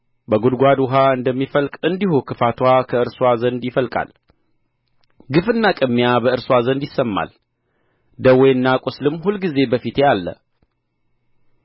በጕድጓድ ውኃ እንደሚፈልቅ እንዲሁ ክፋትዋ ከእርስዋ ዘንድ ይፈልቃል ግፍና ቅሚያ በእርስዋ ዘንድ ይሰማል ደዌና ቍስልም ሁልጊዜ በፊቴ አለ